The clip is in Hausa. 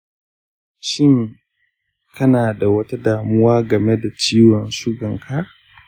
shin kana da wata damuwa game da ciwon sugan ka?